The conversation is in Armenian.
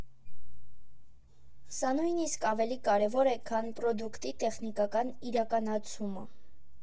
Սա նույնիսկ ավելի կարևոր է, քան պրոդուկտի տեխնիկական իրականացումը։